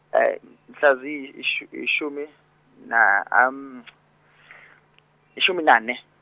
mhlaziyi ish- ishumi na- ishumi nane.